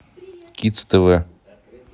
кидс тв